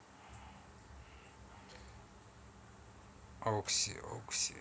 окси